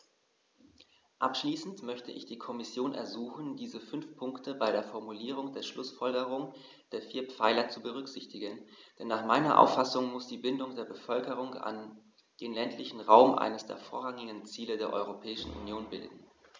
Abschließend möchte ich die Kommission ersuchen, diese fünf Punkte bei der Formulierung der Schlußfolgerungen der vier Pfeiler zu berücksichtigen, denn nach meiner Auffassung muss die Bindung der Bevölkerung an den ländlichen Raum eines der vorrangigen Ziele der Europäischen Union bilden.